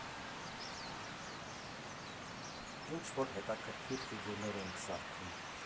Ինչ֊որ հետաքրքիր ֆիգուրներ էինք սարքում։